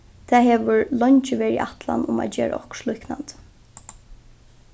tað hevur leingi verið ætlan um at gera okkurt líknandi